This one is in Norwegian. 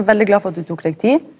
veldig glad for at du tok deg tid.